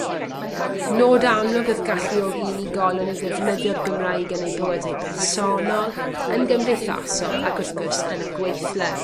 Nod amlwg o'dd galluogi unigolion i ddefnyddio'r Gymraeg yn eu bywydau personol yn gymdeithasol ac wrth gwrs yn y gweithle.